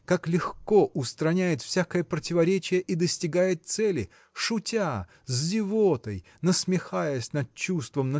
как легко устраняет всякое противоречие и достигает цели шутя с зевотой насмехаясь над чувством